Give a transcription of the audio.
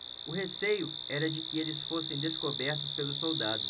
o receio era de que eles fossem descobertos pelos soldados